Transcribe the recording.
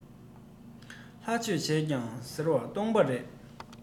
ལྷ ཆོས བྱས སོང ཟེར ཡང སྟོང པ རེད